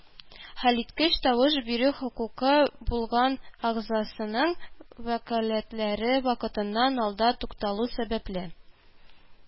Хәлиткеч тавыш бирү хокукы булган әгъзасының вәкаләтләре вакытыннан алда тукталу сәбәпле,